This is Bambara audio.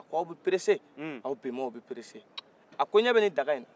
a k'aw bɛ pereser aw bɛnbaw bɛ peresser a ko i ɲɛ bɛ nin daga nin na